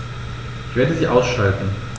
Ich werde sie ausschalten